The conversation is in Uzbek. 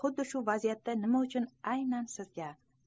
xuddi shu vaziyatda nima uchun ayni sizga